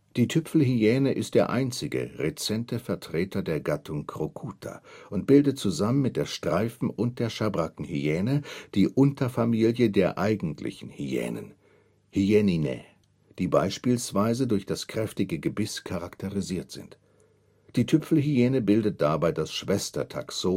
Die Tüpfelhyäne ist der einzige rezente Vertreter der Gattung Crocuta und bildet zusammen mit der Streifen - und der Schabrackenhyäne die Unterfamilie der Eigentlichen Hyänen (Hyaeninae), die beispielsweise durch das kräftige Gebiss charakterisiert sind. Die Tüpfelhyäne bildet dabei das Schwestertaxon